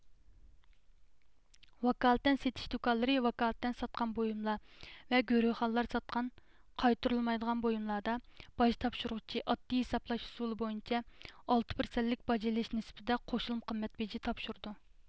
ۋاكالىتەن سېتىش دۇكانلىرى ۋاكالىتەن ساتقان بويۇملار ۋە گۆرۆخانىلار ساتقان قايتۇرۇلمايدىغان بۇيۇملاردا باج تاپشۇرغۇچى ئاددىي ھېسابلاش ئۇسۇلى بويىچە ئالتە پىرسەنتلىك باج ئېلىش نىسبىتىدە قوشۇلما قىممەت بېجى تاپشۇرىدۇ